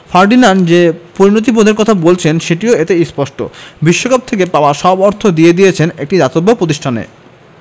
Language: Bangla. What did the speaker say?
ফার্ডিনান্ড যে পরিণতিবোধের কথা বলেছেন সেটিও এতে স্পষ্ট বিশ্বকাপ থেকে পাওয়া সব অর্থ দিয়ে দিয়েছেন একটা দাতব্য প্রতিষ্ঠানে